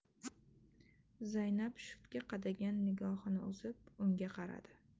zaynab shiftga qadagan nigohini uzib unga qaradi